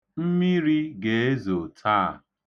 Mmiri ga-ezo taa.